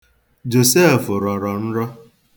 Josef rọrọ nrọ.